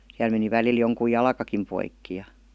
siellä meni välillä jonkun jalkakin poikki ja